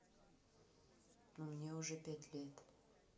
ну мне уже пять лет